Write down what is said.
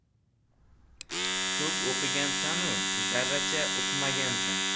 ko'p o'qigansan u zarracha uqmagansan